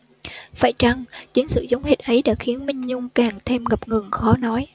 phải chăng chính sự giống hệt ấy đã khiến minh nhung càng thêm ngập ngừng khó nói